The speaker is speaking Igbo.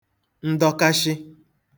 ndọkashị